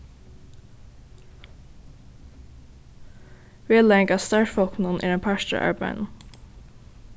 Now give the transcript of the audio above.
vegleiðing av starvsfólkunum er ein partur av arbeiðinum